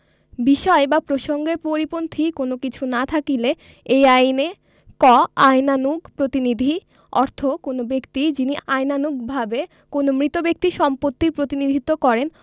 বিষয় বা প্রসঙ্গের পরিপন্থী কোন কিছু না থাকিলে এই আইনে ক আইনানুগ প্রতিনিধি অর্থ কোন ব্যক্তি যিনি আইনানুগভাবে কোন মৃত ব্যক্তির সম্পত্তির প্রতিনিধিত্ব করেন